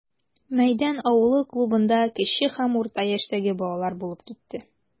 Мәйдан авылы клубында кече һәм урта яшьтәге балалар булып китте.